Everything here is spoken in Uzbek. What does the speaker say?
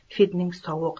fidning sovuq